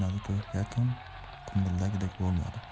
o'ynadi ku yakun ko'ngildagidek bo'lmadi